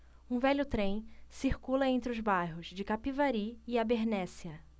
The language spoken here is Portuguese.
um velho trem circula entre os bairros de capivari e abernéssia